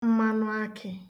mmanụakị̄